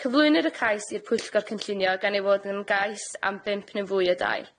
Cyflwynir y cais i'r Pwyllgor Cynllunio gan ei fod yn gais am bump neu fwy o dai.